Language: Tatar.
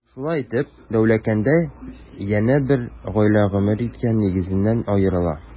Шулай итеп, Дәүләкәндә янә бер гаилә гомер иткән нигезеннән аерыла.